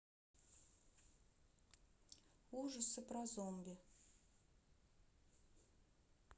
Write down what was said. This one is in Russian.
ужасы про зомби